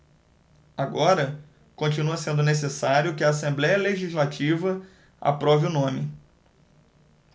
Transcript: agora continua sendo necessário que a assembléia legislativa aprove o nome